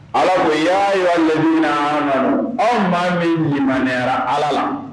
Ala ko aw maa minnu limaniyara Ala la